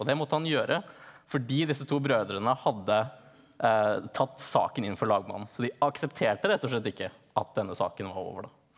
og det måtte han gjøre fordi disse to brødrene hadde tatt saken inn for lagmannen så de aksepterte rett og slett ikke at denne saken var over da.